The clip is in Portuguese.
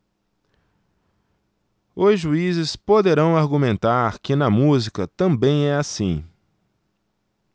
os juízes poderão argumentar que na música também é assim